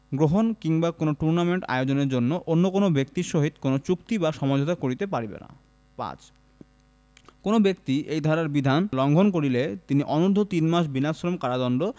গ্রহণ কিংবা কোন টুর্নামেন্ট আয়োজনের জন্য অন্য কোন ব্যক্তির সহিত কোনো চুক্তি বা সমঝোতা করিতে পারিবেন না ৫ কোন ব্যক্তি এই ধারার বিধান লংঘন করিলে তিনি অনুর্ধ্ব তিনমাস বিনাশ্রম কারদন্ড